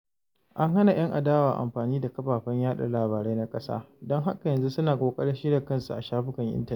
An hana 'yan adawa amfani da kafafen yaɗa labarai na ƙasa, don haka yanzu suna ƙoƙarin shirya kansu a shafukan intanet.